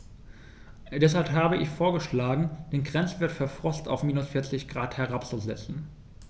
Deshalb habe ich vorgeschlagen, den Grenzwert für Frost auf -40 ºC herabzusetzen.